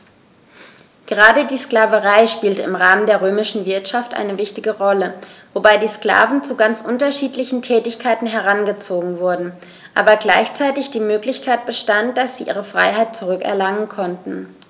Gerade die Sklaverei spielte im Rahmen der römischen Wirtschaft eine wichtige Rolle, wobei die Sklaven zu ganz unterschiedlichen Tätigkeiten herangezogen wurden, aber gleichzeitig die Möglichkeit bestand, dass sie ihre Freiheit zurück erlangen konnten.